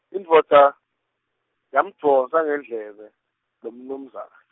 indvodza, yamdvonsa ngendlebe, lomnumzane.